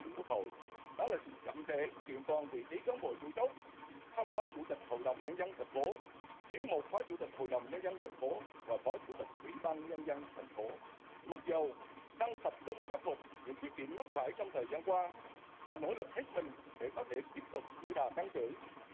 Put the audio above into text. quốc hội đó là sự chậm trễ kiện toàn vị trí cán bộ chủ chốt không có chủ tịch hội đồng nhân dân thành phố thiếu một phó chủ tịch hội đồng nhân dân thành phố và phó chủ tịch ủy ban nhân dân thành phố mặc dù đang tập trung khắc phục những khuyết điểm mắc phải trong thời gian qua và nỗ lực hết mình để có thể tiếp tục giữ đà tăng trưởng